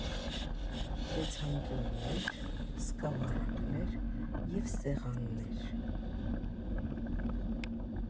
Վեցանկյուններ, սկավառակներ և սեղաններ։